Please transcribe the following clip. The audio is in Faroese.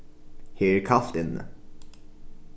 her er kalt inni